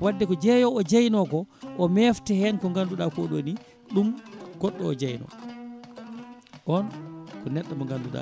wadde ko jeeyowo jeynoko o mefta hen ko ganduɗa koɗo ni ɗum goɗɗo o jeyno on ko neɗɗo mo ganduɗa